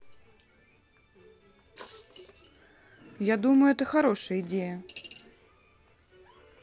я думаю это хорошая идея